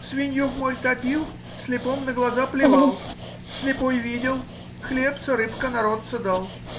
свинью в море топил, слепому на глаза плевал,— слепой видел, хлебца-рыбка народца дал.